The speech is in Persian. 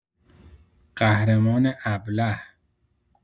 قهرمان ابله